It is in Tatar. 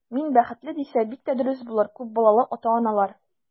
Мин бәхетле, дисә, бик тә дөрес булыр, күп балалы ата-аналар.